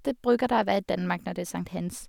Det bruker det å være i Danmark når det er sankthans.